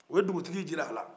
u ye dugutigi jira a la